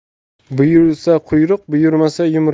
buyursa quyruq buyurmasa yumruq